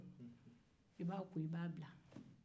i b'a ko k'a bila